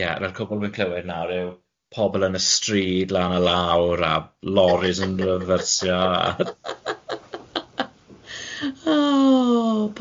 Ie na'r cwpwl wi'n clywed nawr yw pobol yn y stryd lan a lawr a loris yn refersio